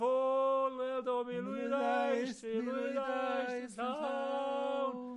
ffôn, wel do mi lwyddaist mi lwyddaist yn llawn.